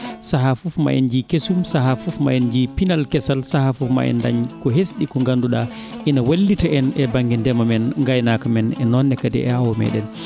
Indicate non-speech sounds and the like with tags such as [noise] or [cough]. [music] sahaa fof ma en ji kesum sahaa fof ma en njii pinal kesal sahaa fof ma en dañ ko hesɗi ko ngannduɗaa [breath] ina wallita en e baŋnge ndema men ngaynaaka men et noon kadi e awo meɗen